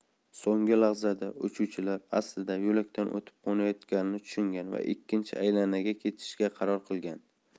so'nggi lahzada uchuvchilar aslida yo'lakdan o'tib qo'nayotganini tushungan va ikkinchi aylanaga ketishga qaror qilgan